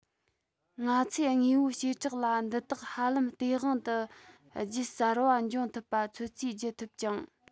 ང ཚོས དངོས པོའི བྱེ བྲག ལ འདི དག ཧ ལམ སྟེས དབང དུ རྒྱུད གསར པ འབྱུང ཐུབ པ ཚོད རྩིས བགྱི ཐུབ ཅིང